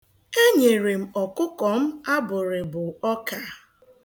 Enyere m ọkụkọ m abụrịbụ ọka.